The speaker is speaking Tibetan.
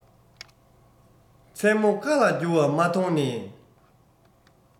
མཚན མོ མཁའ ལ རྒྱུ བ མ མཐོང ནས